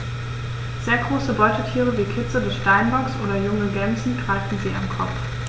Sehr große Beutetiere wie Kitze des Steinbocks oder junge Gämsen greifen sie am Kopf.